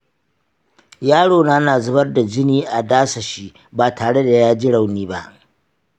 yarona na zubar da jini a dasashi ba tare da ya ji rauni ba.